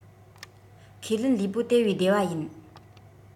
ཁས ལེན ལུས པོ དེ བས བདེ བ ཡིན